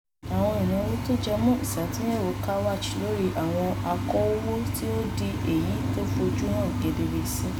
Àwọn ìnáwó tó jẹmọ́ ìṣå̀túnyẹ̀wò Kwacha lórí àwọn okoòwò ti ń di èyí tó fojúhan kedere sí i.